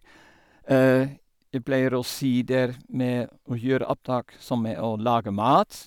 Jeg pleier å si det er med å gjøre opptak som med å lage mat.